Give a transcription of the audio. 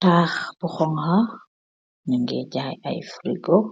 Tahhaa bu hougka yuugeih jaayee ayyi pirrigoo,